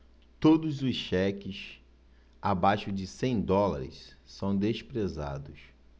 todos os cheques abaixo de cem dólares são desprezados